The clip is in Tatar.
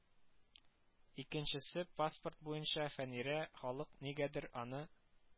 Икенчесе паспорт буенча фәнирә, халык нигәдер аны